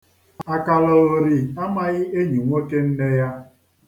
Àkàlòògòli amaghị enyi nwoke nne ya.